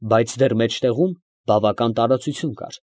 Բայց դեռ մեջտեղում բավական տարածություն կար։